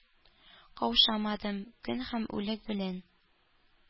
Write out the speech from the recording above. Каушамадым кан һәм үлек белән